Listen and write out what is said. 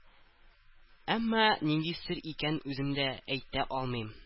Әмма нинди сер икәнен үзем дә әйтә алмыйм